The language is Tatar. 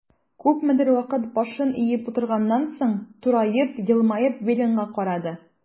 Күпмедер вакыт башын иеп утырганнан соң, тураеп, елмаеп Виленга карады.